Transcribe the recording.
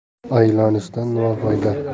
aylanishdan nima foyda